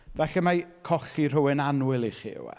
Falle mai colli rhywun annwyl i chi yw e.